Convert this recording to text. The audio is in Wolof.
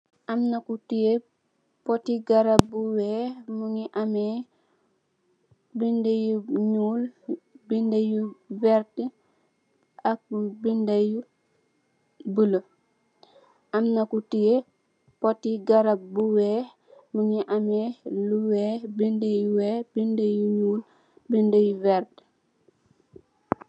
Am na ku teyeh poti garap bu wèèx mugii ameh bindi yu ñuul, bindi yu werta ak bindi yu boulo.